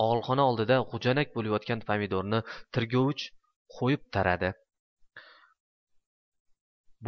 og'ilxona oldida g'ujanak bo'lib yotgan pomidorni tirgovich qo'yib taradi